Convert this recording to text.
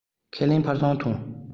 ཁས ལེན འཕར བྱུང ཐོན